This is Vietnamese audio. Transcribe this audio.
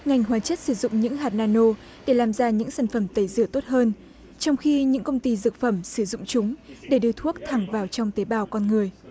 ngành hóa chất sử dụng những hạt na nô để làm ra những sản phẩm tẩy rửa tốt hơn trong khi những công ty dược phẩm sử dụng chúng để đưa thuốc thẳng vào trong tế bào con người